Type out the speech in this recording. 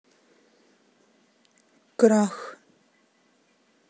крах